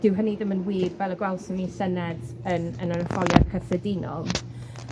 dyw hynny ddim yn wir, fel y gwelson ni llynedd yn yn yr etholiad cyffredinol.